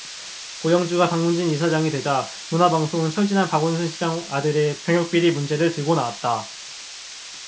고영주가 방문진 이사장이 되자 문화방송은 철지난 박원순 시장 아들의 병역비리 문제를 들고나왔다